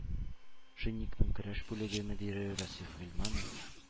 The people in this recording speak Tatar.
«шинник»ның көрәш бүлеге мөдире расиф гыйльманов